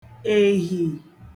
èhì